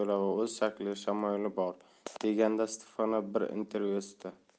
o'z shakli shamoyili bor degandi stefano bir intervyusida